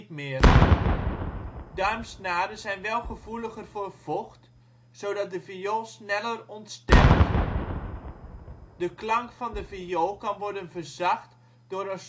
meer. Darmsnaren zijn wel gevoeliger voor vocht, zodat de viool sneller ontstemt. De klank van de viool kan worden verzacht door